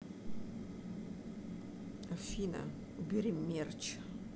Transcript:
афина убери мерч